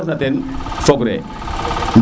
ku ref na teen fog re